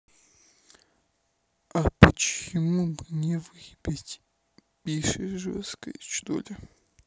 а почему не выебать пишешь жесткой что ли